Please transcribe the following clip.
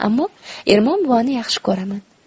ammo ermon buvani yaxshi ko'raman